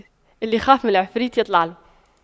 اللي يخاف من العفريت يطلع له